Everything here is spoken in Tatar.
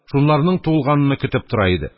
Шунларның тулганыны көтеп тора иде.